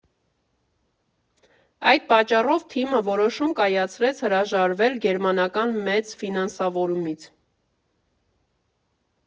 Այդ պատճառով թիմը որոշում կայացրեց հրաժարվել գերմանական մեծ ֆինանսավորումից.